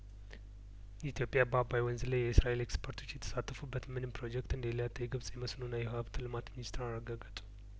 ኢትዮጵያ በአባይ ወንዝ ላይ የእስራኤል ኤክስፐርቶች የተሳተፉ በትምንም ፕሮጀክት እንደሌላት የግብጽ የመስኖና የውሀ ሀብት ልማት ሚኒስትር አረጋገጡ